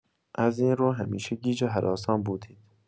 از این رو، همیشه گیج و هراسان بودید.